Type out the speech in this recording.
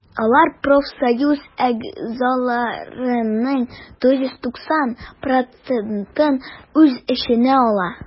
Алар профсоюз әгъзаларының 99 процентын үз эченә ала.